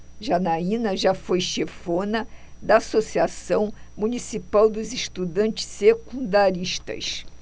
janaina foi chefona da ames associação municipal dos estudantes secundaristas